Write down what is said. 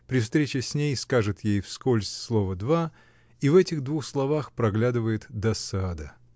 При встрече с ней скажет ей вскользь слова два, и в этих двух словах проглядывает досада.